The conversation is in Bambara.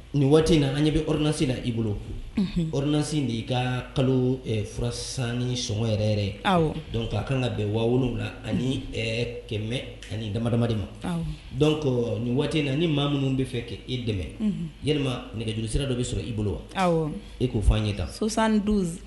Nin waati in na an ɲɛ bɛ or na i bolo bolo orsi de' ka kalo furasan ni sɔngɔ yɛrɛ yɛrɛ dɔn ka kan ka bɛn wa wolowula ani kɛmɛ ani damadamaden ma dɔn nin waati in na ni maa minnu bɛ fɛ k e dɛmɛ yɛlɛma nɛgɛj sira dɔ bɛ sɔrɔ i bolo wa e k'o' an ye taa sosan